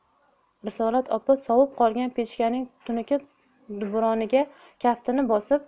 risolat opa sovib qolgan pechkaning tunuka dudburoniga kaftini bosib